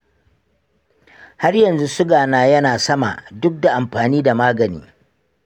har yanzu sugana ya na sama duk da amfani da magani.